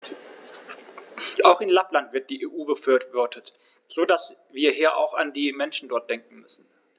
Auch in Lappland wird die EU befürwortet, so dass wir hier auch an die Menschen dort denken müssen.